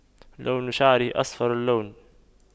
لون شعره أصفر اللون